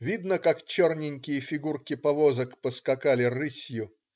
Видно, как черненькие фигурки повозок поскакали рысью.